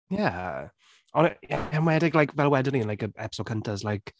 Ie ond yn enwedig like, fel wedon ni ar like yr episode cynta's like...